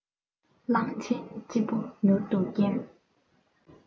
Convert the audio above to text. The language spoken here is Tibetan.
གླང ཆེན སྤྱི བོ མྱུར དུ འགེམས